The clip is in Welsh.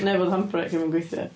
Neu bod handbrake ddim yn gweithio.